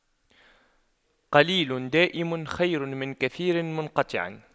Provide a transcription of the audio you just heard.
قليل دائم خير من كثير منقطع